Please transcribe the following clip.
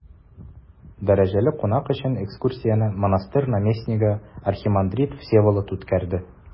Дәрәҗәле кунак өчен экскурсияне монастырь наместнигы архимандрит Всеволод үткәрде.